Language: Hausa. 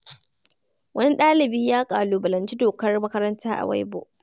Wani ɗalibi ya ƙalubalanci dokar makarata a Weibo: